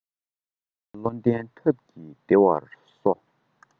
བློ ལྡན ཐབས ཀྱིས བདེ བར གསོ